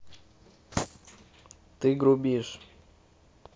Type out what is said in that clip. ты грубишь